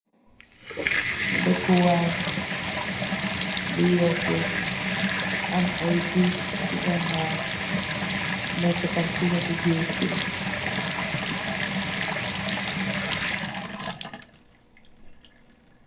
Dakuway bu yeegul am ay guy ci ganaw. Nèkka tam ci wetu gaaj gi.